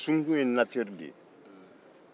sunkun ye nature de ye